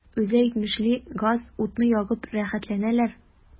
Үзе әйтмешли, газ-утны ягып “рәхәтләнәләр”.